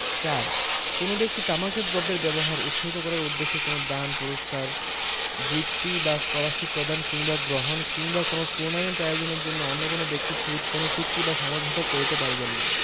৪ কোন ব্যক্তি তামাকজাত দ্রব্যের ব্যবহার উৎসাহিত করার উদ্দেশ্যে কোন দান পুরস্কার বৃদ্তি বা স্কলারশীপ প্রদান কিংবা গ্রহণ কিংবা কোন টুর্নামেন্ট আয়োজনের জন্য অন্য কোন ব্যক্তির সহিত কোনো চুক্তি বা সমঝোতা করিতে পারিবেন না